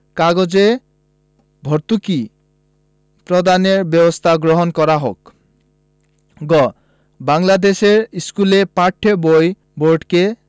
কাগজে ভর্তুকি প্রদানের ব্যবস্থা গ্রহণ করা হোক গ বাংলাদেশের স্কুলে পাঠ্য বই বোর্ডকে